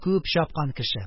Күп чапкан кеше.